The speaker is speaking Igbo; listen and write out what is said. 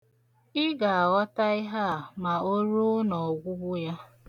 Ị ga-aghọta ihe a ma o ruo n'ọgwụgwụ ya.